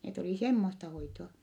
ne oli semmoista hoitoa